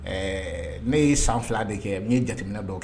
Ɛɛ ne ye san fila de kɛ n ye jateminɛ dɔw kɛ